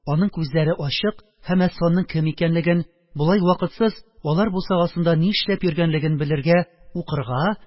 Аның күзләре ачык һәм әсфанның кем икәнлеген, болай вакытсыз алар бусагасында нишләп йөргәнлеген белергә – «укырга»,